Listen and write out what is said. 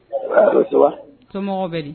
Allo, ça va? so mɔgɔw bɛ di?